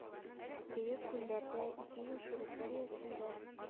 Бөек күлләрдә (ике ил территориясендә